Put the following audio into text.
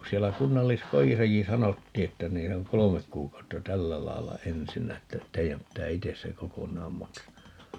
kun siellä kunnalliskodissakin sanottiin että niin se on kolme kuukautta tällä lailla ensinnä että teidän pitää itse se kokonaan maksaa